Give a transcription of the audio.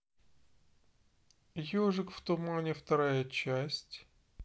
ежик в тумане вторая часть